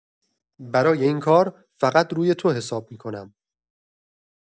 برای این کار فقط روی تو حساب می‌کنم.